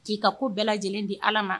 K'i ka ko bɛɛ lajɛlen di ala ma